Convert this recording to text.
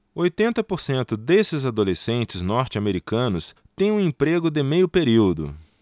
oitenta por cento desses adolescentes norte-americanos têm um emprego de meio período